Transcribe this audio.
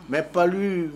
Mɛ panli